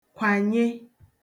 kwànye